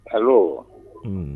Kalo